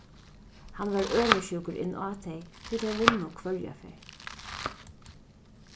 hann var øvundsjúkur inn á tey tí tey vunnu hvørja ferð